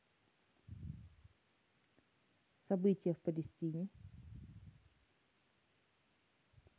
события в палестине